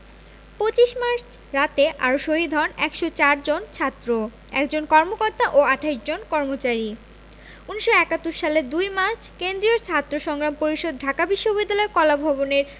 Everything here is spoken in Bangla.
২৫ মার্চ রাতে আরো শহীদ হন ১০৪ জন ছাত্র ১ জন কর্মকর্তা ও ২৮ জন কর্মচারী ১৯৭১ সালের ২ মার্চ কেন্দ্রীয় ছাত্র সংগ্রাম পরিষদ ঢাকা বিশ্ববিদ্যালয় কলাভবনের